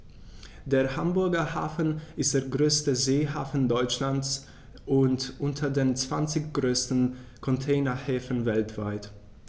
Der Hamburger Hafen ist der größte Seehafen Deutschlands und unter den zwanzig größten Containerhäfen weltweit.